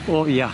O ia.